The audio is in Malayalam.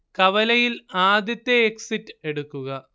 കവലയിൽ ആദ്യത്തെ എക്സിറ്റ് എടുക്കുക